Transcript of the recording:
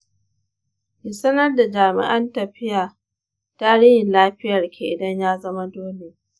ki sanar da jami'an tafiya tarihin lafiyanki idan ya zama dole.